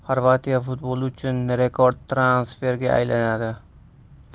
va xorvatiya futboli uchun rekord transferga aylanadi